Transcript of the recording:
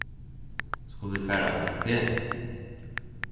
skulu vit fara á kafe